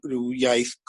ryw iaith